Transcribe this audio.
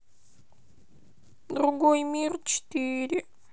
другой мир четыре